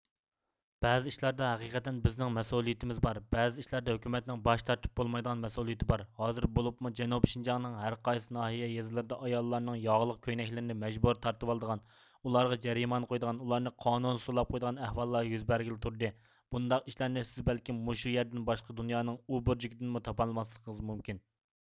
بەزى ئىشلاردا ھەقىقەتەن بىزنڭ مەسئۇلىيتىمىز بار بەزى ئىشلاردا ھۆكۈمەتنڭ باش تارتىپ بولمايدىغان مەسئۇلىيتى بار ھازىر بۇلۇپمۇ جەنۇبى شىنجاڭنىڭ ھەر قايسى ناھىيە يېزىلىردا ئاياللارنڭ ياغلىق كۆينەكلىرنى مەجبۇرى تارتىۋالىدىغان ئۇلارغا جەرىمانە قويىدىغان ئۇلارنى قانۇسىز سولاپ قويىدىغان ئەھۋاللار يۈز بەرگىلى تۇردى بۇنداق ئىشلارنى سىز بەلكىم مۇشۇ يەردىن باشقا دۇنيانىڭ ئۇبۇرجىكىدىنمۇ تاپالماسلقىڭىز مۇمكىن